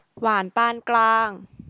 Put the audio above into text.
หวานปานกลาง